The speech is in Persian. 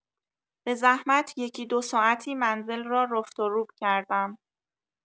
به زحمت یکی دو ساعتی منزل را رفت و روب کردم.